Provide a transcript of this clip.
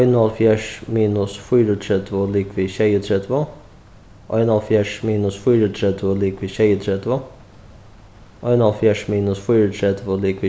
einoghálvfjerðs minus fýraogtretivu ligvið sjeyogtretivu einoghálvfjerðs minus fýraogtretivu ligvið sjeyogtretivu einoghálvfjerðs minus fýraogtretivu ligvið